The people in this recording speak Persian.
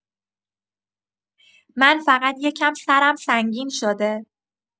من فقط یکم سرم سنگین شده.